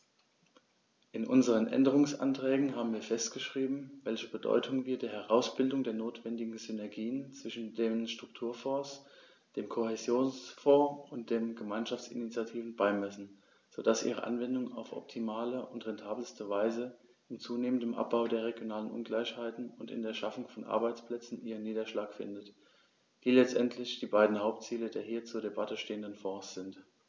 In unseren Änderungsanträgen haben wir festgeschrieben, welche Bedeutung wir der Herausbildung der notwendigen Synergien zwischen den Strukturfonds, dem Kohäsionsfonds und den Gemeinschaftsinitiativen beimessen, so dass ihre Anwendung auf optimale und rentabelste Weise im zunehmenden Abbau der regionalen Ungleichheiten und in der Schaffung von Arbeitsplätzen ihren Niederschlag findet, die letztendlich die beiden Hauptziele der hier zur Debatte stehenden Fonds sind.